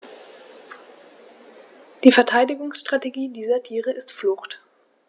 Die Verteidigungsstrategie dieser Tiere ist Flucht.